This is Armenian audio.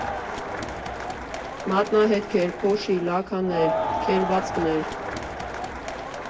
Մատնահետքեր, փոշի, լաքաներ, քերծվածքներ.